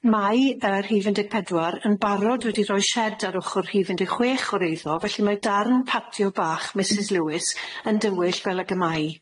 Mae y rhif un deg pedwar yn barod wedi rhoi sied ar ochr rhif un deg chwech o'r eiddo, felly mae darn ffatio bach Misys Lewis yn dywyll fel ag y mae i.